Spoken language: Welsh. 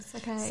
Oce...